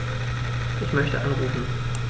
Ich möchte anrufen.